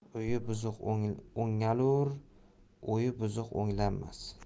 uyi buzuq o'ngalur o'yi buzuq o'ngalmas